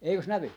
eikös näy